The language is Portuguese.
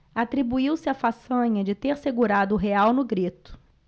atribuiu-se a façanha de ter segurado o real no grito